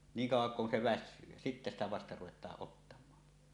niin kauan kuin se väsyy ja sitten sitä vasta ruvetaan ottamaan